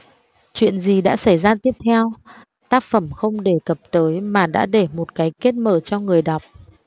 chuyện gì đã xảy ra tiếp theo tác phẩm không đề cập tới mà đã để một cái kết mở cho người đọc